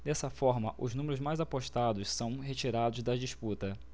dessa forma os números mais apostados são retirados da disputa